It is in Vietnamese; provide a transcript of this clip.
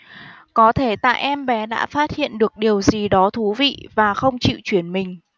có thể tại em bé đã phát hiện được điều gì đó thú vị và không chịu chuyển mình